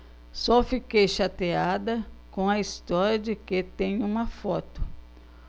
só fiquei chateada com a história de que tem uma foto